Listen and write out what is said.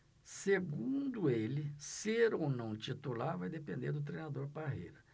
segundo ele ser ou não titular vai depender do treinador parreira